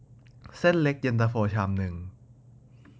เส้นเล็กเย็นตาโฟชามนึง